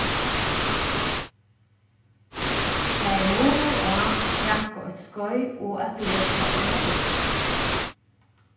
tað er munur á at taka eitt skeið og at lesa eina bók